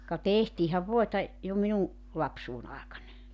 ka tehtiinhän voita jo minun lapsuuden aikana